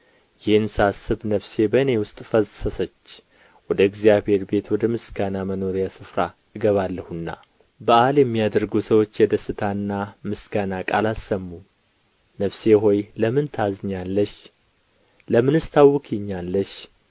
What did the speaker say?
ይህን ሳስብ ነፍሴ በእኔ ውስጥ ፈሰሰች ወደ እግዚአብሔር ቤት ወደ ምስጋና መኖሪያ ስፍራ እገባለሁና በዓል የሚያደርጉ ሰዎች የደስታና ምስጋና ቃል አሰሙ ነፍሴ ሆይ ለምን ታዝኛለሽ ለምንስ ታውኪኛለሽ